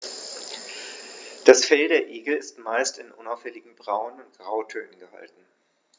Das Fell der Igel ist meist in unauffälligen Braun- oder Grautönen gehalten.